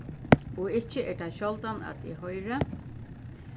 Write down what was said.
og ikki er tað sjáldan at eg hoyri